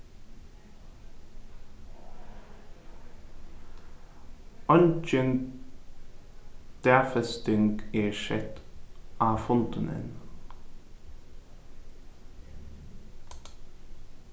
eingin dagfesting er sett á fundin enn